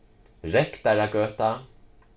rektaragøta